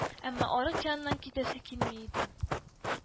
Әмма арык яныннан китәсе килми иде